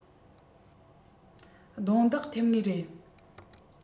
རྡུང རྡེག ཐེབས ངེས རེད